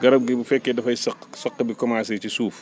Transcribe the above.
garab gii bu fekkee dafay saq saq bi commencé ci suuf